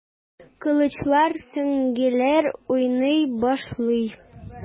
Кылычлар, сөңгеләр уйный башлый.